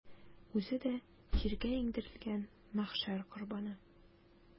Үзе дә җиргә иңдерелгән мәхшәр корбаны.